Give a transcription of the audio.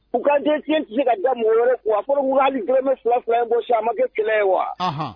U kajɛ tiɲɛ ka da mɔgɔw ye wagaaf hali gɛlɛnmɛ fila fila ye ko s makɛ kɛlɛ ye wa